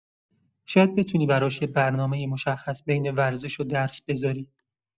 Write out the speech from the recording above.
شاید بتونی براش یه برنامه مشخص بین ورزش و درس بذاری.